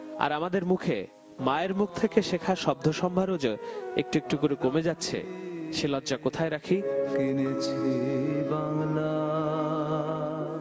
আর আমাদের মুখে মায়ের মুখ থেকে শেখা শব্দ ভান্ডার ও যে একটু একটু করে কমে যাচ্ছে সে লজ্জা কোথায় রাখি